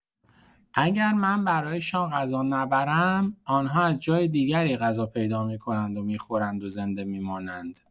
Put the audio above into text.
اگر من برایشان غذا نبرم، آن‌ها از جای دیگری غذا پیدا می‌کنند و می‌خورند و زنده می‌مانند.